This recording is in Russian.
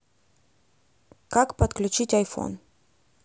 как подключить айфон